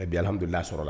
A bɛ alahabla sɔrɔ la